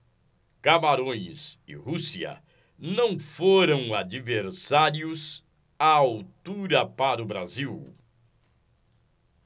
camarões e rússia não foram adversários à altura para o brasil